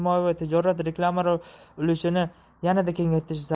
va tijoriy reklamalar ulushini yanada kengaytirish zarur